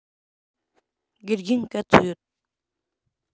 དགེ རྒན ག ཚོད ཡོད